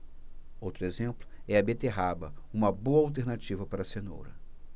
outro exemplo é a beterraba uma boa alternativa para a cenoura